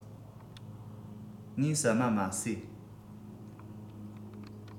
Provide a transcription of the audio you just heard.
ངས ཟ མ མ ཟོས